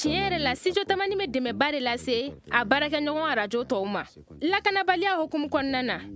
tiɲɛ yɛrɛ la studio tamani bɛ dɛmɛba de lase a baarakɛɲɔgɔn arajo tɔw ma lakanabaliya hukumu kɔnɔna na